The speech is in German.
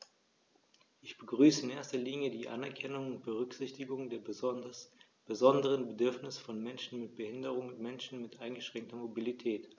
Ich begrüße in erster Linie die Anerkennung und Berücksichtigung der besonderen Bedürfnisse von Menschen mit Behinderung und Menschen mit eingeschränkter Mobilität.